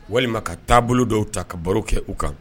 Walima ka taabolo bolo dɔw ta ka baro kɛ u kan